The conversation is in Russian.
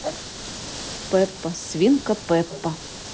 пеппа свинка пеппа